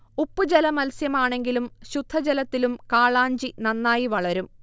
ഉപ്പ്ജല മത്സ്യമാണെങ്കിലും ശുദ്ധജലത്തിലും കാളാഞ്ചി നന്നായി വളരും